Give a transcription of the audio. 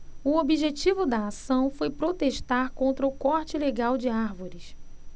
o objetivo da ação foi protestar contra o corte ilegal de árvores